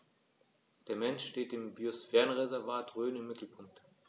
Der Mensch steht im Biosphärenreservat Rhön im Mittelpunkt.